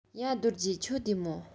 ཡ རྡོ རྗེ ཁྱོད བདེ མོ